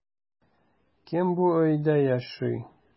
Кем бу өйдә яши?